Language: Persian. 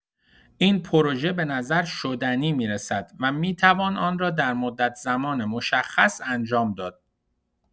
این پروژه به نظر شدنی می‌رسد و می‌توان آن را در مدت‌زمان مشخص انجام داد.